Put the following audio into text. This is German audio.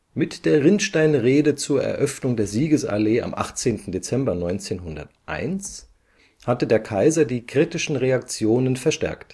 Mit der „ Rinnsteinrede “zur Eröffnung der Siegesallee am 18. Dezember 1901 hatte der Kaiser die kritischen Reaktionen verstärkt